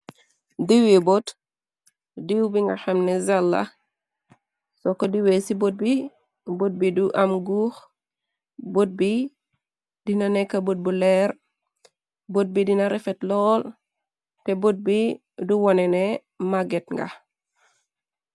Duwe bot diiw bi nga xamne zell la so ko diwe ci bot bi bot bi du am guux bot bi dina nekka bot bu leer bot bi dina refet lool te bot bi du wonene magget nga.